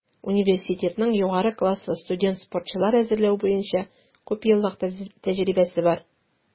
Университетның югары класслы студент-спортчылар әзерләү буенча күпьеллык тәҗрибәсе бар.